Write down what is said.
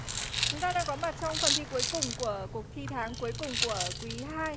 chúng ta đang có mặt trong phần thi cuối cùng của cuộc thi tháng cuối cùng của quý hai